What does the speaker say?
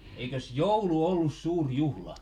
eikös joulu ollut suuri juhla